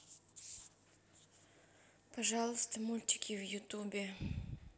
пожалуйста мультики в ютюбе